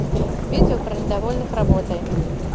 видео про недовольных работой